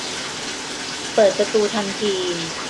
เปิดประตูทันที